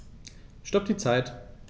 Stopp die Zeit